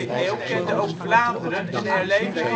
eeuw kende ook Vlaanderen een herleving